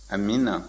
amiina